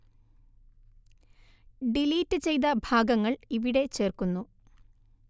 delete ചെയ്ത ഭാഗങ്ങൾ ഇവിടെ ചേർക്കുന്നു